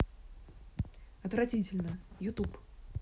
отвратительно youtube